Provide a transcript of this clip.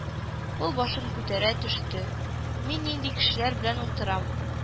Ул башын күтәрә төште: «Мин нинди кешеләр белән утырам